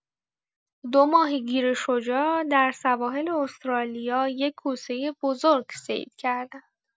دو ماهیگیر شجاع در سواحل استرالیا یک کوسه بزرگ صید کردند